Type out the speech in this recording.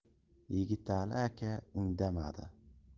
yigitali aka indamadi